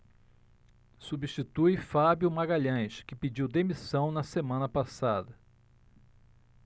substitui fábio magalhães que pediu demissão na semana passada